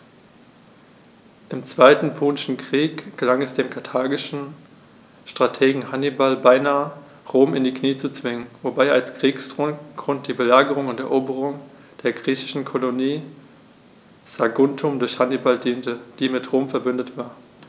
Im Zweiten Punischen Krieg gelang es dem karthagischen Strategen Hannibal beinahe, Rom in die Knie zu zwingen, wobei als Kriegsgrund die Belagerung und Eroberung der griechischen Kolonie Saguntum durch Hannibal diente, die mit Rom „verbündet“ war.